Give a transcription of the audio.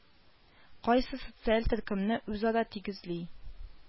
Кайсы социаль төркемне үзара тигезли